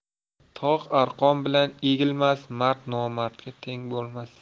tog' arqon bilan egilmas mard nomardga teng bo'lmas